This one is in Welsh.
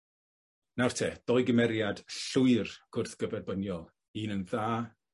Nawr te, dou gymeriad llwyr gwrthgyferbyniol. Un yn dda,